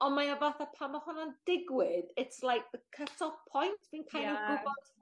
On' mae o fatha pan ma' honna'n digwydd it's like the cut off point fi'n kin' of gwbod